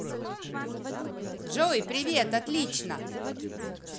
джой привет отлично